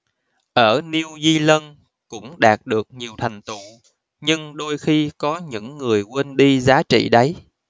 ở new zealand cũng đạt được nhiều thành tựu nhưng đôi khi có những người quên đi giá trị đấy